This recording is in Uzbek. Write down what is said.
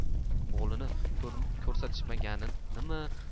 o'g'lini ko'rsatishmaganimi